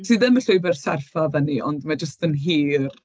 Sy ddim y llwybr serthaf fyny, ond mae jyst yn hir.